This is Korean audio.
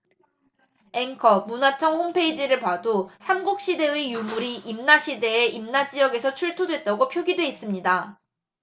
앵커 문화청 홈페이지를 봐도 삼국시대의 유물이 임나시대에 임나지역에서 출토됐다고 표기돼 있습니다